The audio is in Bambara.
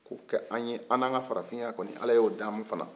an n'a ka farafinya kɔni ala y'o di an man